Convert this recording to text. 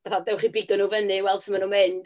Fatha, dewch i bigo nhw fyny i weld sut maen nhw'n mynd.